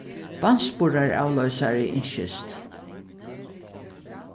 barnsburðaravloysari ynskist